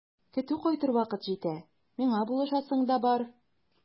Көтү кайтыр вакыт җитә, миңа булышасың да бар.